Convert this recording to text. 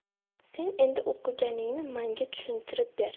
sen endi o'qiganingni manga tushuntirib ber